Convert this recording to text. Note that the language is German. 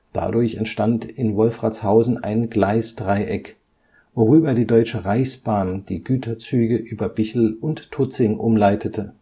Dadurch entstand in Wolfratshausen ein Gleisdreieck, worüber die Deutsche Reichsbahn die Güterzüge über Bichl und Tutzing umleitete